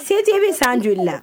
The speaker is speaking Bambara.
Se ti bɛ san joli la